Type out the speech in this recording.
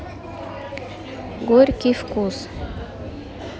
горький вкус